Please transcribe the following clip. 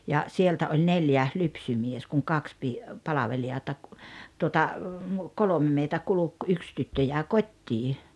ja sieltä oli neljä lypsymies kun kaksi - palvelijaa tuota kolme meitä kulki yksi tyttö jäi kotiin